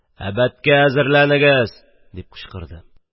– әбәткә әзерләнегез! – дип кычкырды.